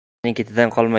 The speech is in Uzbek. yaxshining ketidan qolma